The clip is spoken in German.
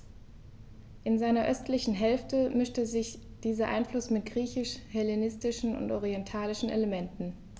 In seiner östlichen Hälfte mischte sich dieser Einfluss mit griechisch-hellenistischen und orientalischen Elementen.